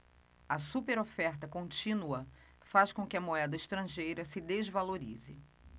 a superoferta contínua faz com que a moeda estrangeira se desvalorize